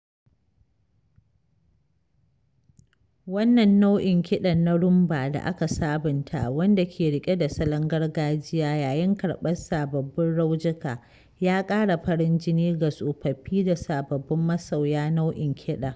Wannan nau’in kiɗan na Rhumba da aka sabunta, wanda ke riƙe da salon gargajiya yayin karɓar sababbin raujuka, ya ƙara farin jini ga tsofaffi da sababbin masoya nau’in kiɗan.